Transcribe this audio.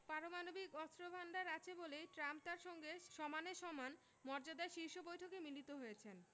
পারমাণবিক অস্ত্রভান্ডার আছে বলেই ট্রাম্প তাঁর সঙ্গে সমানে সমান মর্যাদায় শীর্ষ বৈঠকে মিলিত হয়েছেন